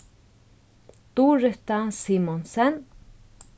durita simonsen